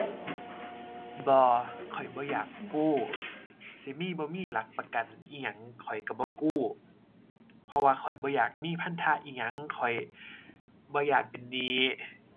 บ่ ข้อยบ่อยากกู้ สิมีบ่มีหลักประกันอิหยังข้อยก็บ่กู้ เพราะว่าข้อยบ่อยากมีพันธะอิหยัง ข้อยบ่อยากเป็นหนี้